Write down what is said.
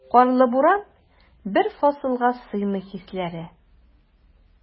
Карлы буран, бер фасылга сыймый хисләре.